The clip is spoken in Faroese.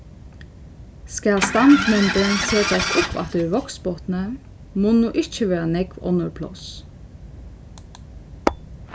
skal standmyndin setast upp aftur í vágsbotni munnu ikki vera nógv onnur pláss